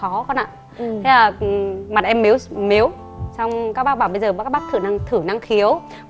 khó con ạ thế là mặt mếu mếu song các bác bảo bây giờ các bác khả năng thử năng khiếu